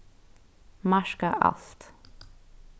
marka alt